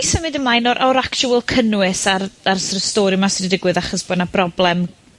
...symud ymlaen o'r o'r actual cynnwys ar ar so't of stori 'ma sy 'di digwydd achos bo' 'na broblem